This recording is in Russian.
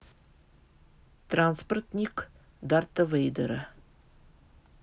транспортник дарта вейдера